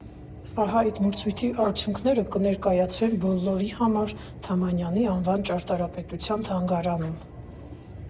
Ահա այդ մրցույթի արդյունքները կներկայացվեն բոլորի համար Թամանյանի անվան ճարտարապետության թանգարանում։